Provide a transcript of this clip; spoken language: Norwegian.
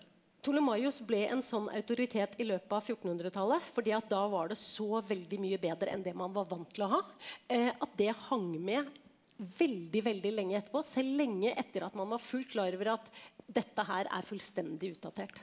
Ptolemaios ble en sånn autoritet i løpet av fjortenhundretallet fordi at da var det så veldig mye bedre enn det man var vant til å ha at det hang med veldig veldig lenge etterpå selv lenge etter at man var fullt klar over at dette her er fullstendig utdatert.